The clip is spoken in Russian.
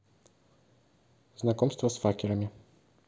знакомство с факерами